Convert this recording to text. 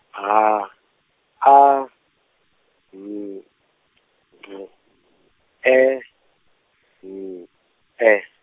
H A N G E N E.